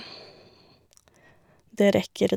Det rekker...